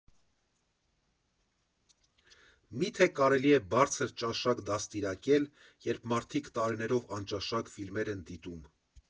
Մի՞թե կարելի է բարձր ճաշակ դաստիարակել, երբ մարդիկ տարիներով անճաշակ ֆիլմեր են դիտում։